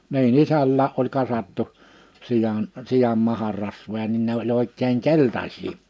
niin isälläkin oli kasattu sian sian maharasvoja niin ne oli oikein keltaisia